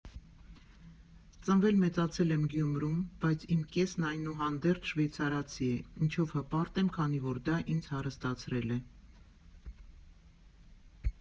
«Ծնվել, մեծացել եմ Գյումրում, բայց իմ կեսն այնուհանդերձ շվեյցարացի է, ինչով հպարտ եմ, քանի որ դա ինձ հարստացրել է։